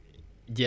balaa ñuy góob